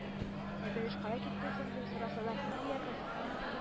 - ә бәлеш кая китте соң дип сорасалар, ни диярбез